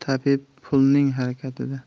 tabib pulning harakatida